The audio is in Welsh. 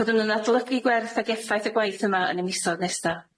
Byddwn yn adolygu gwerth, ag effaith y gwaith yma yn y misoedd nesa.